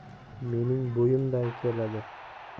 mening bo'yimday keladi